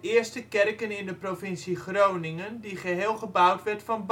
eerste kerken in de provincie Groningen die geheel gebouwd werd van baksteen